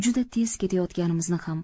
juda tez ketayotganimizni ham